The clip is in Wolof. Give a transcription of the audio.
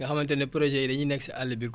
nga xamante ne projet yi dañuy nekk si àll bi